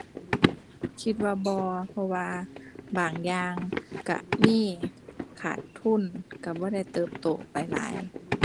คิดว่าบ่ เพราะว่า บางอย่างก็มีขาดทุน ก็บ่ได้เติบโตไปหลาย